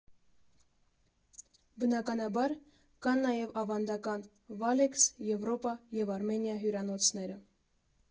Բնականաբար, կան նաև ավանդական «Վալեքս», «Եվրոպա» և «Արմենիա» հյուրանոցները։